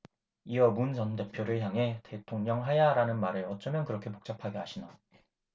이어 문 전 대표를 향해 대통령 하야하라는 말을 어쩌면 그렇게 복잡하게 하시나